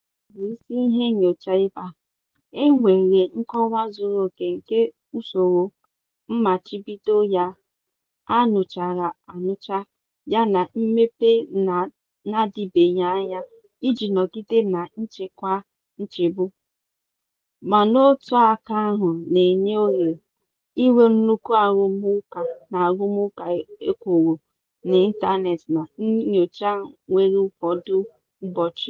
China bụ isi ihe nnyocha ebe a, e nwere nkọwa zuru oke nke usoro mmachibido ya a ṅụchara aṅụcha yana mmepe n'adịbeghị anya iji nọgide na nchịkwa nchịgbu, ma n'otu aka ahụ na-enye ohere,"... inwe nnukwu arụmụka na arụmụka ekworo n'ịntanetị na nnyocha nwere ụfọdụ mgbochi."